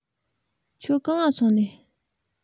ཁྱོད གང ལ སོང ནས